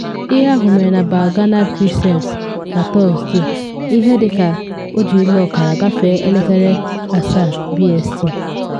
Ihe ahụ mere na Ballynagard Crescent na Tọsde n’ihe dị ka 19:30 BST.